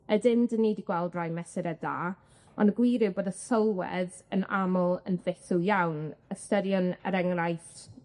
Ydyn, 'dyn ni 'di gweld rai mesure da, on' y gwir yw bod y sylwedd yn aml yn bitw iawn, ystyriwn, er enghraifft,